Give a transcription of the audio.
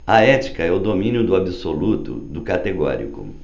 a ética é o domínio do absoluto do categórico